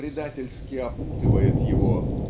предательски опутывает его